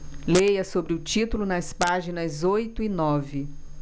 leia sobre o título nas páginas oito e nove